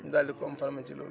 ñu daal di ko confirmer ci loolu